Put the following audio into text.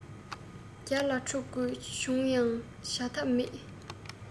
བརྒྱ ལ འཁྲུག དགོས བྱུང ཡང བྱ ཐབས མེད